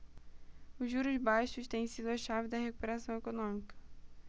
os juros baixos têm sido a chave da recuperação econômica